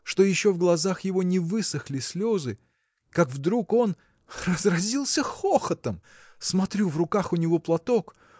что еще в глазах его не высохли слезы. Как вдруг он – разразился хохотом! смотрю, в руках у него платок